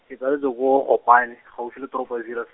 ke tsaletse ko Gopane, gaufi le toropo ya Zeerust.